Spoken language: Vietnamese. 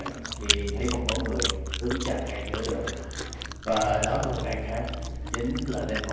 khi thấy một bóng người đứng chặn ngay giữa đường và đó không ai khác chính là linh hồn